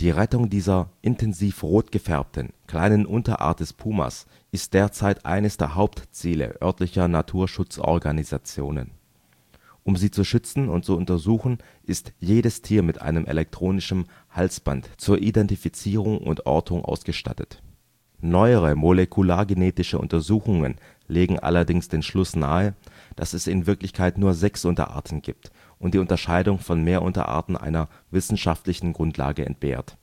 Rettung dieser intensiv rot gefärbten, kleinen Unterart des Pumas ist derzeit eines der Hauptziele örtlicher Naturschutzorganisationen. Um Sie zu schützen und zu untersuchen ist jedes Tier mit einem elektronischem Halsband zur Identifizierung und Ortung ausgestattet. Neuere molekulargenetische Untersuchungen (M. Culver et. al.) legen allerdings den Schluss nahe, dass es in Wirklichkeit nur sechs Unterarten gibt und die Unterscheidung von mehr Unterarten einer wissenschaftlichen Grundlage entbehrt